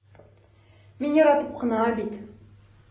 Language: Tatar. Мин яратып кына бит...